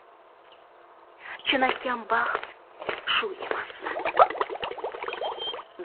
chinakam baxt shu emasmi